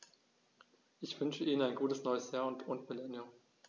Ich wünsche Ihnen ein gutes neues Jahr und Millennium.